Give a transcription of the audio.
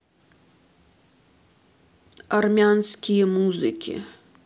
армянские музыки